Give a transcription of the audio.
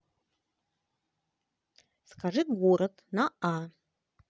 скажи город на а